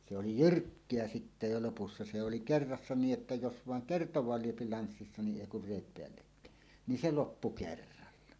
se oli jyrkkä sitten jo lopussa se se oli kerrassaan niin että jos vain kertaakaan lyö lanssissa niin ei kun reet päällekkäin niin se loppu kerralla